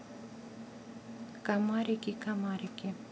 комарики комарики